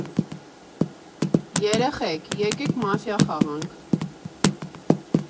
Երեխե՜ք, եկեք մաֆիա խաղանք։